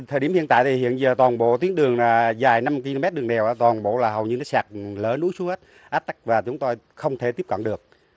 thời điểm hiện tại thì hiện giờ toàn bộ tuyến đường là dài năm ki lô mét đường đèo toàn bộ là hầu như nó sạt lở lũ suốt ách tắc và chúng tôi không thể tiếp cận được